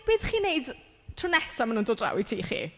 Beth chi'n wneud tro nesa maen nhw'n dod draw i tŷ chi?